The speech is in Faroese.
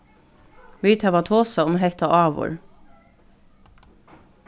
vit hava tosað um hetta áður